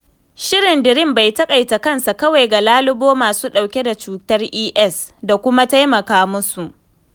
Shirin DREAM bai taƙaita kansa kawai ga lalubo masu ɗauke da cutar Es da kuma taimaka musu ba.